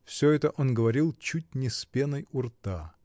Всё это он говорил чуть не с пеной у рта.